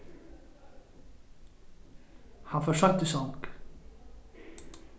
hann fór seint í song